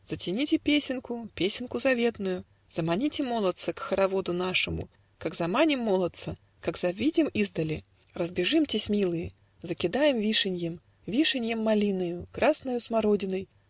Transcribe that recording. Затяните песенку, Песенку заветную, Заманите молодца К хороводу нашему, Как заманим молодца, Как завидим издали, Разбежимтесь, милые, Закидаем вишеньем, Вишеньем, малиною, Красною смородиной.